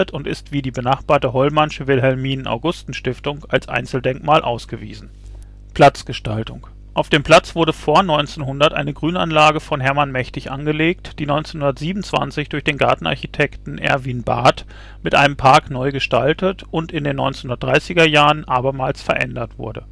und ist wie die benachbarte Hollmannsche Wilhelminen-Amalien-Stiftung als Einzeldenkmal ausgewiesen. Auf dem Platz wurde vor 1900 eine Grünanlage von Hermann Mächtig angelegt, die 1927 durch den Gartenarchitekten Erwin Barth mit einem Park neu gestaltet und in den 1930er Jahren abermals verändert wurde